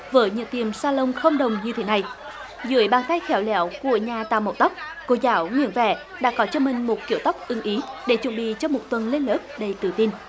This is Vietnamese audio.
với những tiệm sa lông không đồng như thế này dưới bàn tay khéo léo của nhà tạo mẫu tóc cô giáo vui vẻ đã có cho mình một kiểu tóc ưng ý để chuẩn bị cho một tuần lên lớp đầy tự tin